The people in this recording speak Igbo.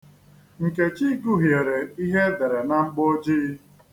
Nkechi gụhiere ihe e dere na mgboojii.